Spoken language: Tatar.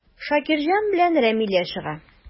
Шакирҗан белән Рамилә чыга.